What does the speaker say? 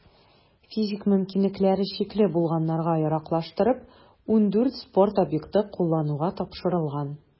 Физик мөмкинлекләре чикле булганнарга яраклаштырып, 14 спорт объекты куллануга тапшырылган.